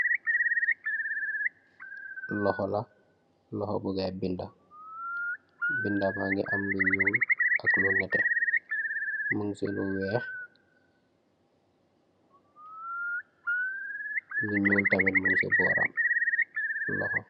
Loho lah. loho bu gai binda, binda banghe am lu nyul ak Lu neteh. Mung sii Lu wheeh, Lu nyul tamit mung shi boram